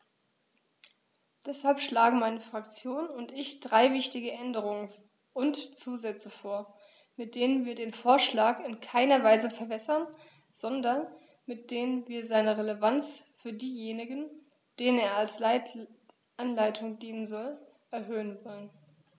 Deshalb schlagen meine Fraktion und ich drei wichtige Änderungen und Zusätze vor, mit denen wir den Vorschlag in keiner Weise verwässern, sondern mit denen wir seine Relevanz für diejenigen, denen er als Anleitung dienen soll, erhöhen wollen.